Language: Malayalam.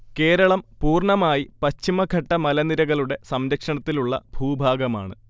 കേരളം പൂർണമായി പശ്ചിമഘട്ട മലനിരകളുടെ സംരക്ഷണത്തിലുള്ള ഭൂഭാഗമാണ്